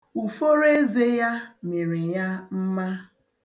Uforoeze ya mere ya ọ maa mma.